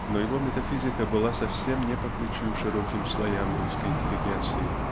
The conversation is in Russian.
но его метафизика была совсем не по плечу широким слоям русской интеллигенции